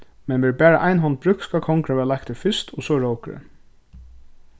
men verður bara ein hond brúkt skal kongurin verða leiktur fyrst og so rókurin